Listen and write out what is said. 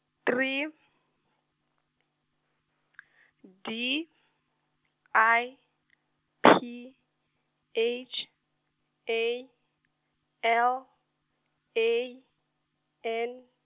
three, D I P H A L A N.